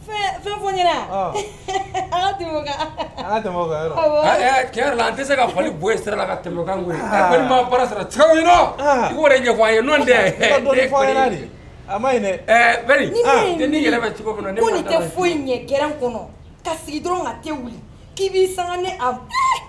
Fɛn an tɛ se ka foli bɔ sera ka tɛmɛkan cɛw ɲɛfɔ ye ni yɛlɛ tɛ foyi ɲɛ g kɔnɔ ka sigi dɔrɔn tɛ wuli k'i san ni a fɛ